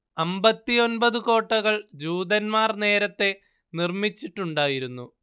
അമ്പത്തിഒമ്പത് കോട്ടകൾ ജൂതന്മാർ നേരത്തെ നിർമ്മിച്ചിട്ടുണ്ടായിരുന്നു